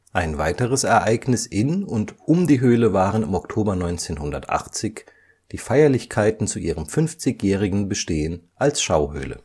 Ein weiteres Ereignis in und um die Höhle waren im Oktober 1980 die Feierlichkeiten zu ihrem 50-jährigen Bestehen als Schauhöhle